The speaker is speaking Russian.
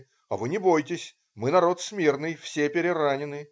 А вы не бойтесь - мы народ смирный, все переранены".